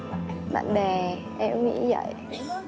bạn bè em cũng nghĩ dậy